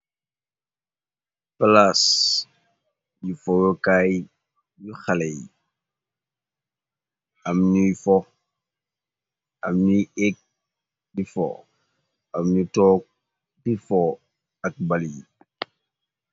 Palas foyokay xalèh am ñii fó am ñii éék di fó, am ñii tóóg di fó ak bal.